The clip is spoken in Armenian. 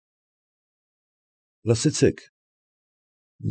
Լսեցե՛ք։